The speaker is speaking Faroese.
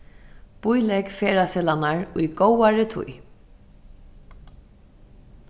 bílegg ferðaseðlarnar í góðari tíð